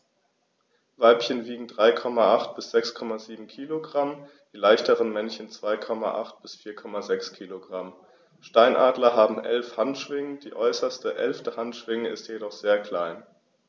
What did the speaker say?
Weibchen wiegen 3,8 bis 6,7 kg, die leichteren Männchen 2,8 bis 4,6 kg. Steinadler haben 11 Handschwingen, die äußerste (11.) Handschwinge ist jedoch sehr klein.